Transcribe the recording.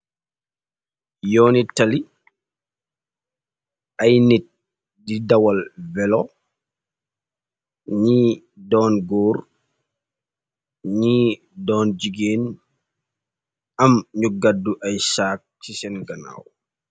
Yooni tali, ay nit di dawal velo, ñi doon góor, ñi doon jigéen, am ñu gaddu ay shaak ci seen ganaaw.